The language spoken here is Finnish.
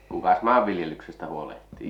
kukas maanviljelyksestä huolehtii